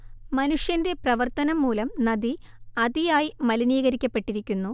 മനുഷ്യന്റെ പ്രവർത്തനം മൂലം നദി അതിയായി മലിനീകരിക്കപ്പെട്ടിരിക്കുന്നു